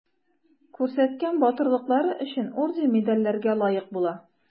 Күрсәткән батырлыклары өчен орден-медальләргә лаек була.